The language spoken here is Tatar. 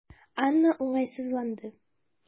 Анна уңайсызланды.